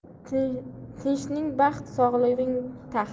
tinchhk baxt sog'lik taxt